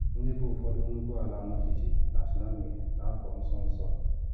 Ndị bụ ụfọdụ nnukwu ala ọmajiji na tsunami n’afọ nso nso: